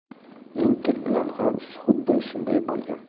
inter bilan ham xuddi shunday bo'lgan